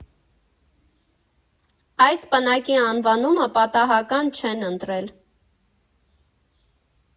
Այս պնակի անվանումը պատահական չեն ընտրել։